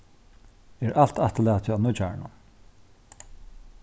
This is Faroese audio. er alt afturlatið á nýggjárinum